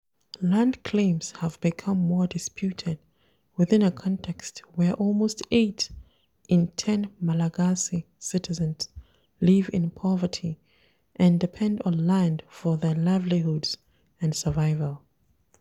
Land claims have become more disputed within a context where almost eight in 10 Malagasy citizens live in poverty and depend on land for their livelihoods and survival.